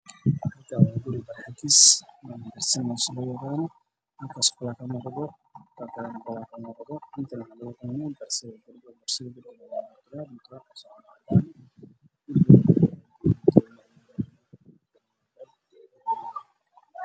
Waa qol midabkiisu yahay madow iyo caddaan